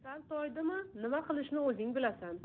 sal toydimi nima qilishni o'zing bilasan